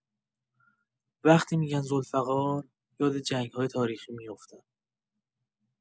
وقتی می‌گن ذوالفقار، یاد جنگ‌های تاریخی میفتم.